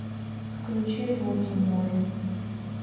включи звуки моря